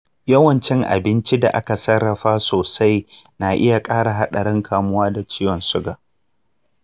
yawan cin abincin da aka sarrafa sosai na iya ƙara haɗarin kamuwa da ciwon suga.